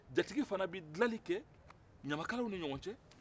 jatigi fɛnɛ bɛ dilanni kɛ ɲamakalaw ni ɲɔgɔn cɛ